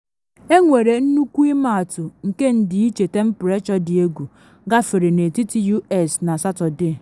Enwere nnukwu ịmaatụ nke ndịiche temprechọ dị egwu gafere n’etiti U.S. na Satọde.